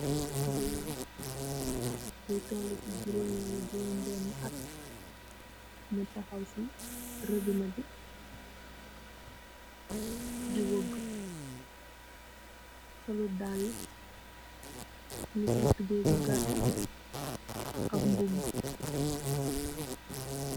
Heleh bu jigeen la, mugei tolu ce jurom nyarr ak jurom behnin att, mugei tahawu ce robinehbi di woogei soluut dal lul mugei sol tubei bu gattu ak mbubu